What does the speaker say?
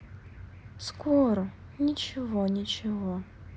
скоро ничего ничего